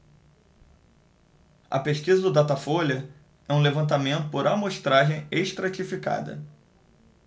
a pesquisa do datafolha é um levantamento por amostragem estratificada